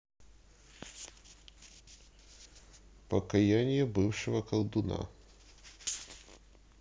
покаяние бывшего колдуна